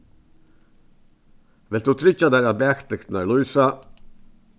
vilt tú tryggja tær at baklyktirnar lýsa